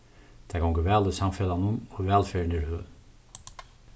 tað gongur væl í samfelagnum og vælferðin er høg